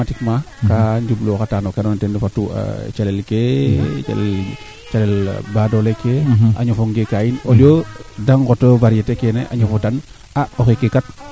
o duuf xa axa xe ando naye mboge te ref kaaf ke wala te ref a aarake wala te ref a ñaawa ke yiin keene yiin est que maaga aussi faax e nnu mbeka nu mbiya attention no kee ando naye ten refu